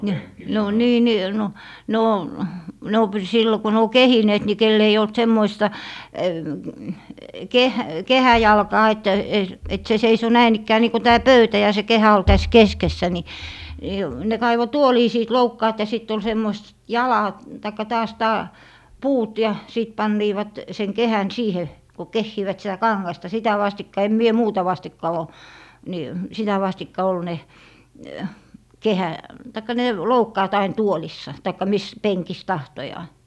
niin ne on niin niin no ne on ne on - silloin kun ne on kehineet niin kenellä ei ollut semmoista - kehäjalkaa että että se seisoi näin ikään niin kuin tämä pöytä ja se kehä oli tässä keskessä niin niin ne kaivoi tuolien siitä loukkaat ja sitten oli -- tai taas - puut ja sitten panivat sen kehän siihen kun kehivät sitä kangasta sitä vastikka en minä muuta vastikka ole niin sitä vastikka oli ne - tai ne loukkaat aina tuoleissa tai missä penkissä tahtoo